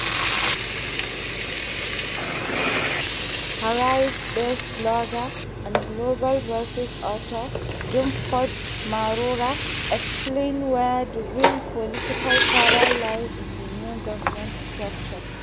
Harare based blogger and Global Voices Author, Denford Magora, explains where the real political power lies in the new government structure.